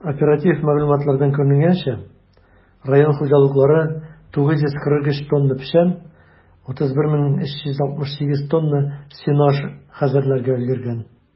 Оператив мәгълүматлардан күренгәнчә, район хуҗалыклары 943 тонна печән, 31368 тонна сенаж хәзерләргә өлгергән.